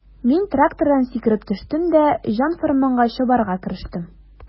Мин трактордан сикереп төштем дә җан-фәрманга чабарга керештем.